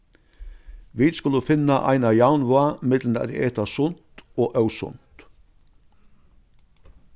vit skulu finna eina javnvág millum at eta sunt og ósunt